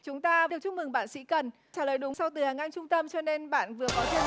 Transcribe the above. chúng ta được chúc mừng bạn sỹ cần trả lời đúng sau từ hàng ngang trung tâm cho nên bạn vừa có thêm